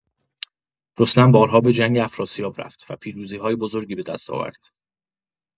رستم بارها به جنگ افراسیاب رفت و پیروزی‌های بزرگی به دست آورد.